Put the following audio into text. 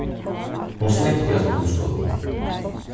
hon slepti hasum hugskotinum